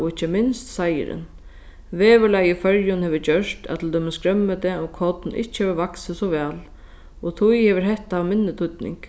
og ikki minst seiðurin veðurlagið í føroyum hevur gjørt at til dømis grønmeti og korn ikki hevur vaksið so væl og tí hevur hetta minni týdning